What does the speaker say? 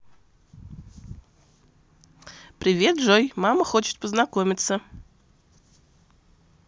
привет джой мама хочет познакомиться